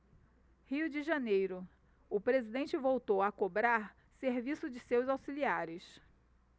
rio de janeiro o presidente voltou a cobrar serviço de seus auxiliares